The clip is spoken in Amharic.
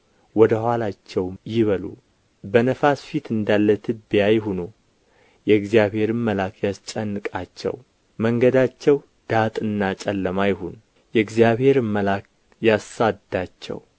ወደ ኋላቸውም ይበሉ በነፋስ ፊት እንዳለ ትቢያ ይሁኑ የእግዚአብሔርንም መልአክ ያስጨንቃቸው መንገዳቸው ዳጥና ጨለማ ይሁን የእግዚአብሔርም መልአክ ያሳድዳቸው